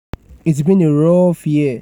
It's been a rough year.